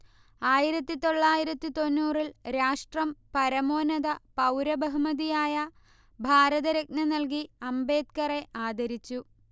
ആയിരത്തി തൊള്ളായിരത്തി തൊണ്ണൂറിൽ രാഷ്ട്രം പരമോന്നത പൗരബഹുമതിയായ ഭാരതരത്ന നല്കി അംബേദ്കറെ ആദരിച്ചു